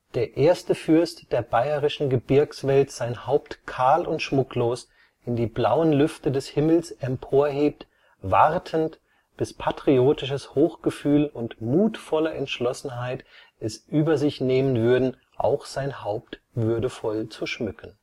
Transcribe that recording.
der erste Fürst der bayerischen Gebirgswelt sein Haupt kahl und schmucklos in die blauen Lüfte des Himmels emporhebt, wartend, bis patriotisches Hochgefühl und muthvolle Entschlossenheit es über sich nehmen würden, auch sein Haupt würdevoll zu schmücken